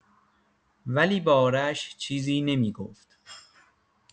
ولی به آرش چیزی نمی‌گفت.